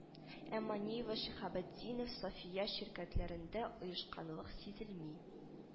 Әмма нива шиһабеддинов сафия ширкәтләрендә оешканлык сизелми